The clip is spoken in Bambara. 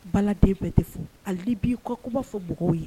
Baladen bɛ tɛ fo aln'ii b'i kɔ kuma fɔ mɔgɔw ye.